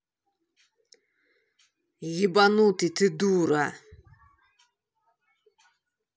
ебнутый ты дура